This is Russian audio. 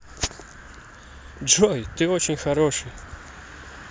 джой ты очень хороший